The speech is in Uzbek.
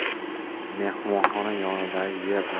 mehmonxona yonidagi yer